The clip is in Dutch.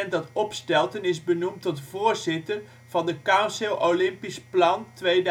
dat Opstelten is benoemd tot voorzitter van de Council Olympisch Plan 2028